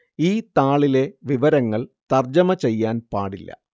ഈ താളിലെ വിവരങ്ങൾ തർജ്ജമ ചെയ്യാൻ പാടില്ല